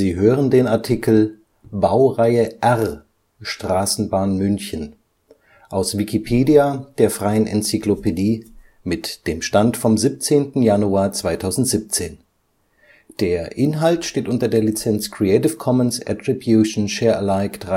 hören den Artikel Baureihe R (Straßenbahn München), aus Wikipedia, der freien Enzyklopädie. Mit dem Stand vom Der Inhalt steht unter der Lizenz Creative Commons Attribution Share Alike